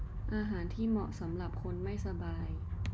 อาหารที่เหมาะสำหรับคนไม่สบาย